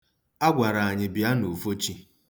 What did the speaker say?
A gwara anyị bịa n'ufochi.